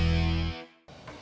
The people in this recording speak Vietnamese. tưng